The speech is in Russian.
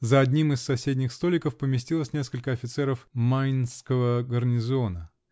За одним из соседних столиков поместилось несколько офицеров майнцского гарнизона.